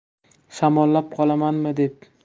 shamollab qolamanmi deb